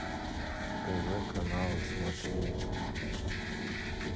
тв каналы смотреть